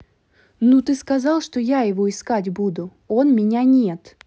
ну ты сказал что я его искать буду он меня нет